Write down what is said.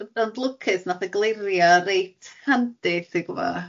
ond ond lwcus wnaeth e glirio reit handi, ti'n gwybo.